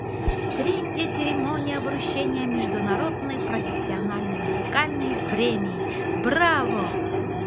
третья церемония вручения международной профессиональной музыкальной премии браво